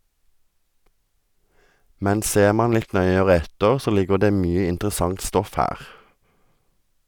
Men ser man litt nøyere etter, så ligger det mye interessant stoff her.